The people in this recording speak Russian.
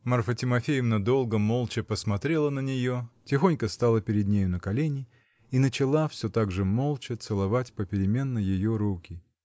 Марфа Тимофеевна долго молча смотрела на нее, тихонько стала перед нею на колени -- и начала, все так же молча, целовать попеременно ее руки.